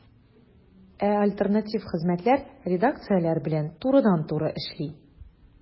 Ә альтернатив хезмәтләр редакцияләр белән турыдан-туры эшли.